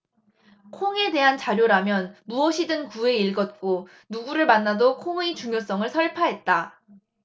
콩에 대한 자료라면 무엇이든 구해 읽었고 누구를 만나도 콩의 중요성을 설파했다